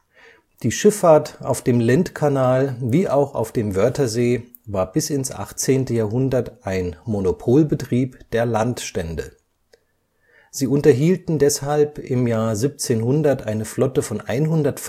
Die Schifffahrt auf dem Lendkanal wie auch auf dem Wörthersee war bis ins 18. Jahrhundert ein Monopolbetrieb der Landstände. Sie unterhielten deshalb im Jahr 1700 eine Flotte von 100